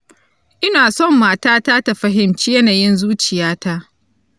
ina son matata ta fahimci yanayin zuciyata.